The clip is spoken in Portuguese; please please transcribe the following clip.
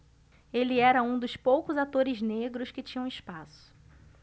ele era um dos poucos atores negros que tinham espaço